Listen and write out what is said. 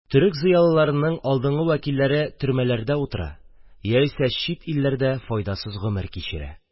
Төрек зыялыларының алдынгы вәкилләре төрмәләрдә утыра яисә чит илләрдә файдасыз гомер кичерә.